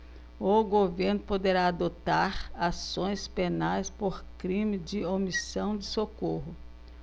o governo poderá adotar ações penais por crime de omissão de socorro